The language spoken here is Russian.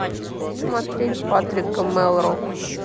смотреть патрика мелроуз